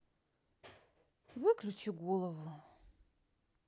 выключи голову